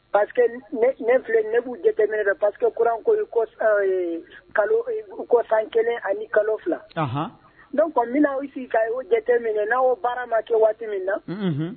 Pa filɛ b'u jɛminɛ pa kuran ko fan kelen ani kalo fila n bɛna sigi ka jɛminɛ n'a baara ma kɛ waati min na